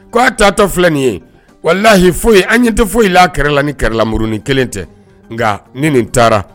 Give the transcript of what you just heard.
K ko' a tatɔfi nin ye wala lahi foyi ye an ɲɛ tɛ foyi i la kɛlɛla ni kɛlɛlamuruuni kelen tɛ nka nin nin taara